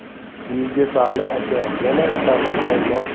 yigitali aka yana kaftiga nos